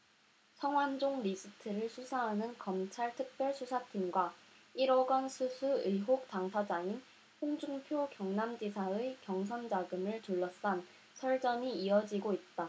성완종 리스트를 수사하는 검찰 특별수사팀과 일 억원 수수 의혹 당사자인 홍준표 경남지사의 경선 자금을 둘러싼 설전이 이어지고 있다